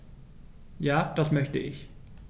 Ja, das möchte ich.